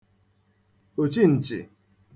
òchiǹchị̀